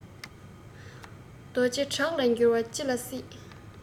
རྡོ རྗེའི བྲག ལ འགྱུར བ ཅི ལ སྲིད